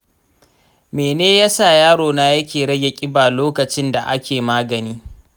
mene yasa yaro na yake rage ƙiba lokacin da ake magani?